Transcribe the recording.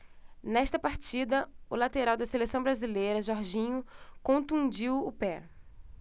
nesta partida o lateral da seleção brasileira jorginho contundiu o pé